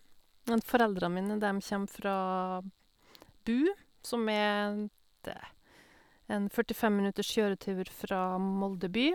At foreldra mine, dem kjem fra Bud, som er en det en førtifem minutters kjøretur fra Molde by.